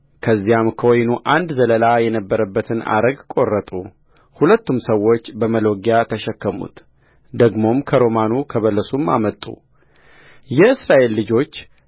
ከዚያም ከወይኑ አንድ ዘለላ የነበረበትን አረግ ቈረጡ ሁለቱም ሰዎች በመሎጊያ ተሸከሙት ደግሞም ከሮማኑ ከበለሱም አመጡየእስራኤል ልጆች